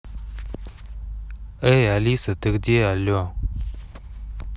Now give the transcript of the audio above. эй алиса ты где алле